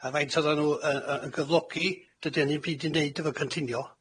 a faint oddan nw yy yy yn gyflogi. Dydi hynny'm byd i neud efo cynllunio.